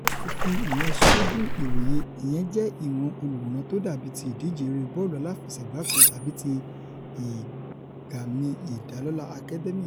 Láti fi ìyẹn sójú ìwòye, ìyẹn jẹ́ ìwọn olùwòran tó dàbí ti ìdíje eré bọ́ọ̀lù aláàfẹ̵sẹ̀gbá kan tàbí ti Ìgbàmì-ìdálólá Academy.